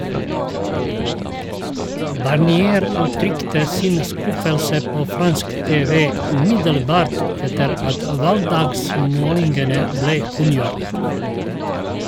Barnier uttrykte sin skuffelse på fransk TV umiddelbart etter at valgdagsmålingene ble kunngjort.